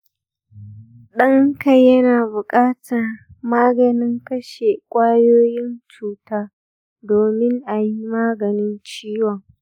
ɗanka yana buƙatar maganin kashe ƙwayoyin cuta domin a yi maganin ciwon.